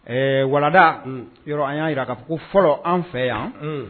Ɛɛ Wanda, yɔrɔ an y'a jira k'a fɔ ko fɔlɔ an fɛ yan